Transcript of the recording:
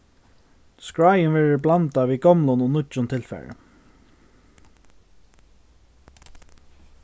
skráin verður blandað við gomlum og nýggjum tilfari